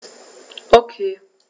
Okay.